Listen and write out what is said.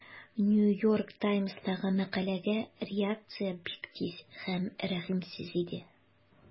New York Times'тагы мәкаләгә реакция бик тиз һәм рәхимсез иде.